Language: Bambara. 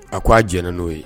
A ko a jɛna n'o ye.